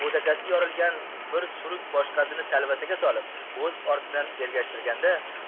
o'takasi yorilgan bir suruk boshqasini talvasaga solib o'z ortidan ergashtirganda